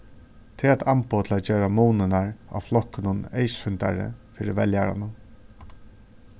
tað er eitt amboð til at gera munirnar á flokkunum eyðsýndari fyri veljaranum